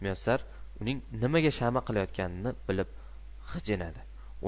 muyassar uning nimaga shama qilayotganini bilib g'ijinadi